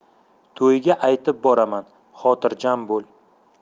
to'yga aytib boraman xotirjam bo'l